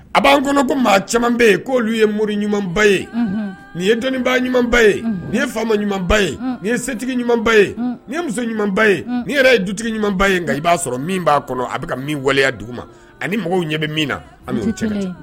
A b'an kɔnɔ ko maa caman bɛ ye k' olu ye muru ɲumanba ye nin ye dɔnniiba ɲumanba ye nin ye fa ɲumanba ye nin ye setigi ɲumanba ye nin ye muso ɲumanba ye' yɛrɛ ye dutigi ɲumanba ye nka i b'a sɔrɔ min b'a kɔnɔ a bɛ ka min waleya dugu ma ani mɔgɔw ɲɛ bɛ min na a bɛ cɛ